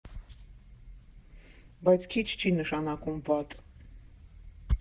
Բայց քիչ չի նշանակում վատ։